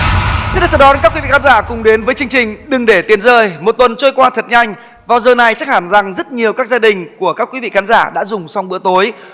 xin được chào đón các quý vị khán giả cùng đến với chương trình đừng để tiền rơi một tuần trôi qua thật nhanh vào giờ này chắc hẳn rằng rất nhiều các gia đình của các quý vị khán giả đã dùng xong bữa tối